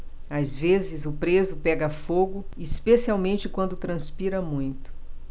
às vezes o preso pega fogo especialmente quando transpira muito